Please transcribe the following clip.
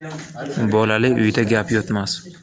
bolali uyda gap yotmas